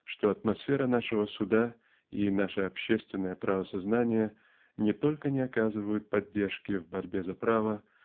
что атмосфера нашего суда и наше общественное правосознание не только не оказывают поддержки в борьбе за право